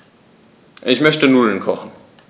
Ich möchte Nudeln kochen.